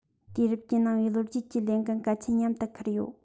དུས རབས ཀྱིས གནང བའི ལོ རྒྱུས ཀྱི ལས འགན གལ ཆེན མཉམ དུ འཁུར ཡོད